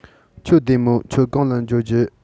ཁྱོད བདེ མོ ཁྱོད གང ལ འགྲོ རྒྱུ